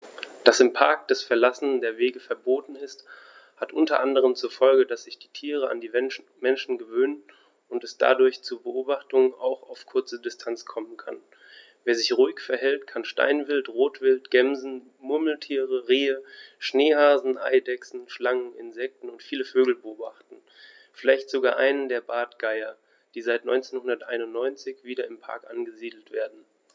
Dass im Park das Verlassen der Wege verboten ist, hat unter anderem zur Folge, dass sich die Tiere an die Menschen gewöhnen und es dadurch zu Beobachtungen auch auf kurze Distanz kommen kann. Wer sich ruhig verhält, kann Steinwild, Rotwild, Gämsen, Murmeltiere, Rehe, Schneehasen, Eidechsen, Schlangen, Insekten und viele Vögel beobachten, vielleicht sogar einen der Bartgeier, die seit 1991 wieder im Park angesiedelt werden.